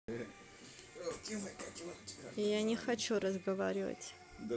я не хочу разговаривать